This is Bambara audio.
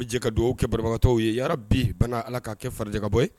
Be jɛ ka duwawu kɛ banabagatɔw ye yarabi bana Ala k'a kɛ farijagabɔ ye